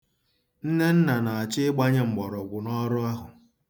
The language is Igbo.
Nnenna na-achọ ịgbanye mkpọrọgwụ n'ọrụ ahụ.